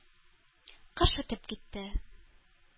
Кыш үтеп китте.